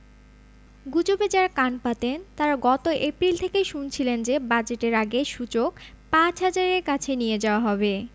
গুজবে যাঁরা কান পাতেন তাঁরা গত এপ্রিল থেকেই শুনছিলেন যে বাজেটের আগে সূচক ৫ হাজারের কাছে নিয়ে যাওয়া হবে